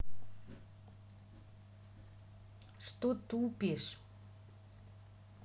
что тупишь